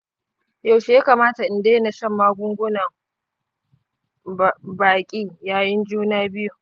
yaushe ya kamata in daina shan magungunan baki yayin juna biyu?